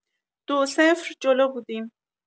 دو-صفر جلو بودیم